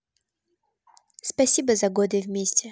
спасибо за годы вместе